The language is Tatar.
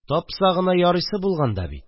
– тапса гына ярыйсы булган да бит